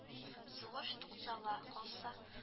- сугыш туктала калса